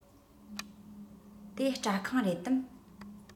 དེ སྐྲ ཁང རེད དམ